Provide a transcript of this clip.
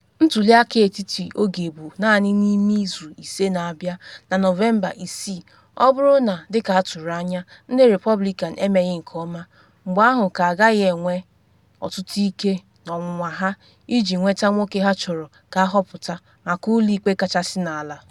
Ntuli aka etiti oge bụ naanị n’ime izu ise na abịa, na Nọvemba 6 - ọ bụrụ na, dị ka atụrụ anya, ndị Repọblikan emeghị nke ọma, mgbe ahụ ha agaghị enwe ọtụtụ ike n’ọnwụnwa ha iji nweta nwoke ha chọrọ ka ahọpụta maka ụlọ ikpe kachasị n’ala.